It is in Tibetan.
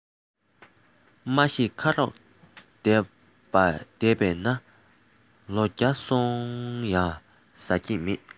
མ ཤེས ཁ རོག བསྡད པས ན ལོ བརྒྱ སོང ཡང བཟང བསྐྱེད མེད